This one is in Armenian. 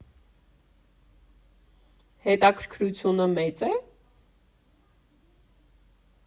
Հետաքրքրությունը մե՞ծ է։